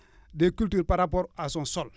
des cultures par rapport ) son sol